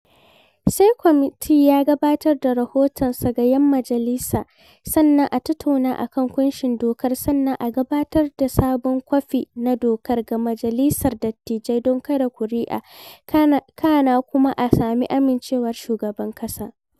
Sai kwamitin ya gabatar da rahotonsa ga 'yan majalisa, sannan an tattuna a kan ƙunshin dokar, sannan an gabatar da sabon kwafi na dokar ga Majalisar Dattijai don kaɗa ƙuri'a, kana kuma a sami amincewar shugaban ƙasa.